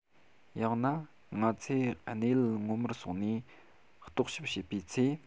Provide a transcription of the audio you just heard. ཡང ན ང ཚོས གནས ཡུལ ངོ མར སོང ནས རྟོག ཞིབ བྱེད པའི ཚེ